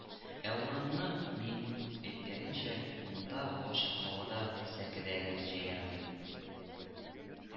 Ә урынны мин, әйткәнеңчә, монда, ачык һавада, сәкедә генә җәярмен